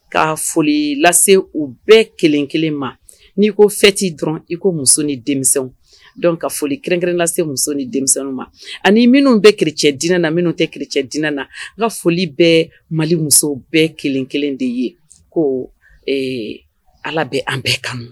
Ka foli lase u bɛɛ kelen-kelen ma n'i ko fɛ t'i dɔrɔn iko muso ni denmisɛnnin dɔn ka foli kelen- kelenrɛn lase muso ni denmisɛnninw ma ani minnu bɛ kicdinɛ na minnu tɛ kidinɛ na n ka foli bɛ mali muso bɛɛ kelenkelen de ye ko ee ala bɛ an bɛɛ kan